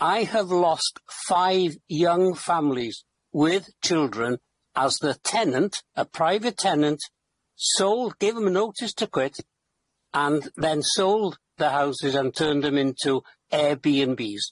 I have lost five young families with children as the tenant, a private tenant, sold, gave them a notice to quit, and then sold their houses and turned them into Air Bee and Bees.